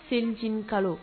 Sencinin kalo